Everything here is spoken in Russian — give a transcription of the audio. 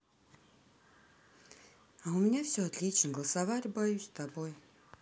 а у меня все отлично голосовали боюсь с тобой